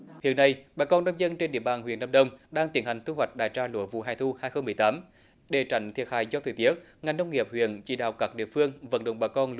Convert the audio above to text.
hiện nay bà con nông dân trên địa bàn huyện nam đông đang tiến hành thu hoạch đã trà lúa vụ hè thu hai không mười tám để tránh thiệt hại do thời tiết ngành nông nghiệp huyện chỉ đạo các địa phương vận động bà con